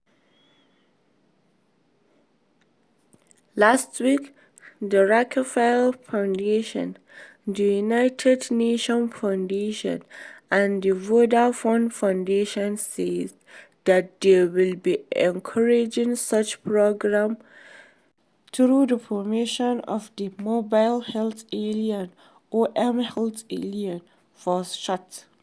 Last week the Rockefeller Foundation, the United Nations Foundation, and the Vodafone Foundation said that they will be encouraging such projects through the formation of the Mobile Health Alliance (or mHealth Alliance for short).